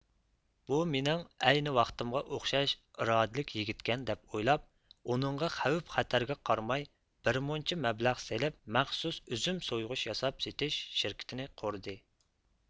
بۇ مېنىڭ ئەينى ۋاقتىمغا ئوخشاش ئىرادىلىك يىگىتكەن دەپ ئويلاپ ئۇنىڭغا خەۋپ خەتەرگە قارىماي بىر مۇنچە مەبلەغ سېلىپ مەخسۇس ئۈزۈم سويغۇچ ياساپ سېتىش شىركىتىنى قۇردى